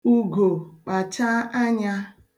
Ugo, kpachaa anya.